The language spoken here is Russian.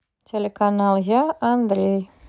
телеканал я андрей